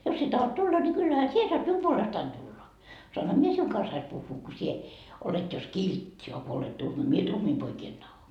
jos sinä tahdot tulla niin kyllähän sinä saat minun puolestani tulla saanhan minä sinun kanssasi puhua kun sinä olet jos kiltti a kun olet tuhma minä tuhmia poikia en tahdo